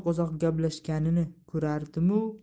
uzoq gaplashganini ko'rardimu